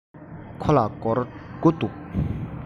ཁོ ལ སྒོར དགུ འདུག